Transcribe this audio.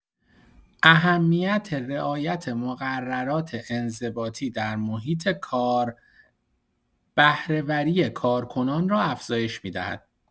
اهمیت رعایت مقررات انضباطی در محیط کار، بهره‌وری کارکنان را افزایش می‌دهد.